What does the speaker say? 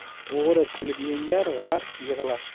o'g'ri kulib yengar g'ar yig'lab